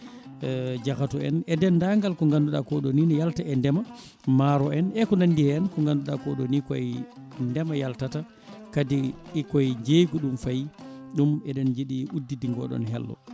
e jahatu en e dendagal ko ganduɗa koɗo ni ne yalta e ndeema maaro en e ko nandi hen ko ganduɗa ko ɗo ni koye ndeema yaltata kadi e koye jeygu ɗum fayi ɗum eɗen jiiɗi uddidde ngoɗon hello